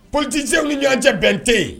Politiciens ni ɲɔgɔn cɛ bɛɛn te yen.